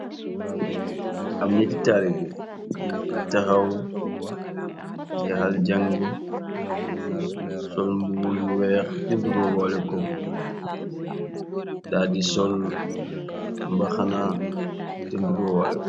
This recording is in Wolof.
Am nyitti taalibe yu taxaw jeexal jang sol mbu buyu weex te ndurowale ko daa di sol mba xana te nduroowale ko.